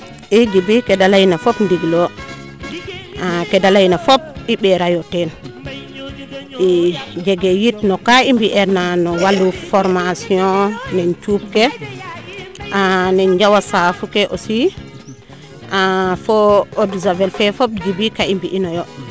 i Djiby keede leyna fop ndigilo kede lkeyna fop i mbeerayo teen i jege yit no kaa i mbi eer na no walu foramtion nene cuup ke nene njawa saafu ke aussi fo eaux de javel fe fop Djiby ka i mbi ino yo